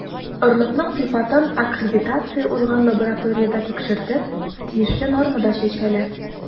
Орлыкның сыйфатын аккредитация узган лабораториядә тикшертеп, тиешле нормада чәчәләр.